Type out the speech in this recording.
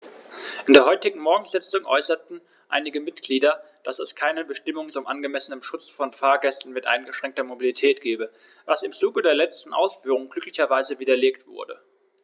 In der heutigen Morgensitzung äußerten einige Mitglieder, dass es keine Bestimmung zum angemessenen Schutz von Fahrgästen mit eingeschränkter Mobilität gebe, was im Zuge der letzten Ausführungen glücklicherweise widerlegt wurde.